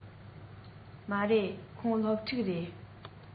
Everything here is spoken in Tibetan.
མ རེད ཁོང སློབ ཕྲུག རེད